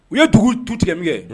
U ye dugu tu tigɛ min kɛ